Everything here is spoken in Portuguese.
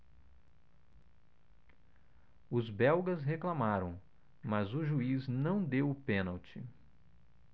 os belgas reclamaram mas o juiz não deu o pênalti